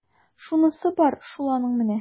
Шунысы бар шул аның менә! ..